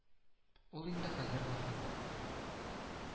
Ул инде хәзер вафат